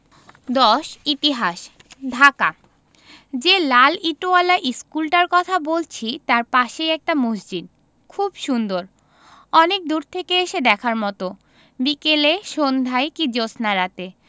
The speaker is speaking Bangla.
১০ ইতিহাস ঢাকা যে লাল ইটোয়ালা ইশকুলটার কথা বলছি তাই পাশেই একটা মসজিদ খুব সুন্দর অনেক দূর থেকে এসে দেখার মতো বিকেলে সন্ধায় কি জ্যোৎস্নারাতে